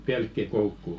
pelkkikoukku